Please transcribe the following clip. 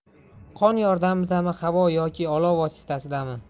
qon yordamidami havo yoki olov vositasidami